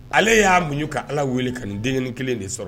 Ale y'a munɲ ka ala wele ka nin denini kelen de sɔrɔ